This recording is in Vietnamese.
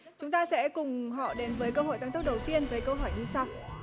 chúng ta sẽ cùng họ đến với cơ hội tăng tốc đầu tiên với câu hỏi như sau